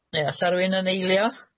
Ne o's 'a rywun yn eilio?